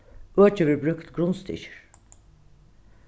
økið verður brúkt til grundstykkir